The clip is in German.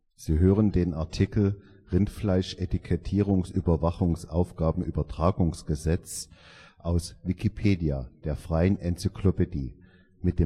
Sie hören den Artikel Rindfleischetikettierungsüberwachungsaufgabenübertragungsgesetz, aus Wikipedia, der freien Enzyklopädie. Mit